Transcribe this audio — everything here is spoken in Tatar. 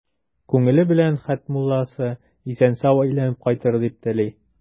Күңеле белән Хәтмулласы исән-сау әйләнеп кайтыр дип тели.